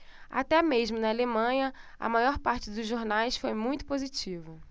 até mesmo na alemanha a maior parte dos jornais foi muito positiva